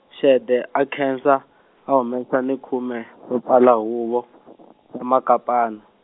Xede a nkhensa, a humesa ni khume, ro pfala huvo, ya Makapana.